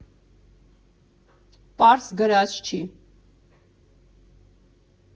Պարզ գրած չի։